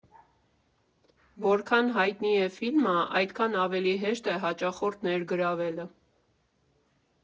Որքան հայտնի է ֆիլմը, այդքան ավելի հեշտ է հաճախորդ ներգրավելը»։